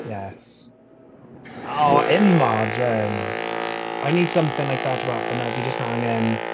Yes. Oh, imagine! I need something like that to happen now, fi jyst angen...